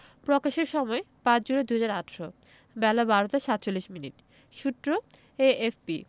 প্রকাশের সময় ৫ জুলাই ২০১৮ বেলা ১২টা ৪৭ মিনিট সূত্র এএফপি